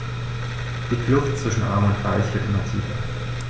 Die Kluft zwischen Arm und Reich wird immer tiefer.